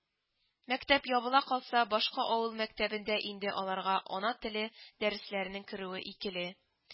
Мәктәп ябыла калса, башка авыл мәктәбендә инде аларга ана теле дәресләренең керүе икеле